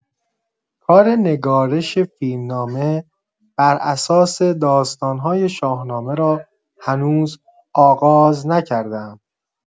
کار نگارش فیلمنامه بر اساس داستان‌های شاهنامه را هنوز آغاز نکرده‌ام.